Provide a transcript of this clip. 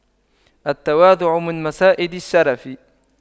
التواضع من مصائد الشرف